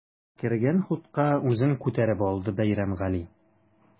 Кергән хутка үзен күтәреп алды Бәйрәмгали.